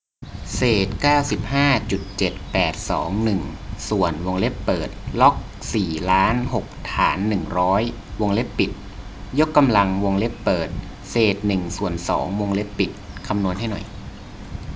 เศษเก้าสิบห้าจุดเจ็ดแปดสองหนึ่งส่วนวงเล็บเปิดล็อกสี่ล้านหกฐานหนึ่งร้อยวงเล็บปิดยกกำลังวงเล็บเปิดเศษหนึ่งส่วนสองวงเล็บปิดคำนวณให้หน่อย